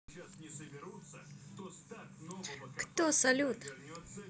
кто салют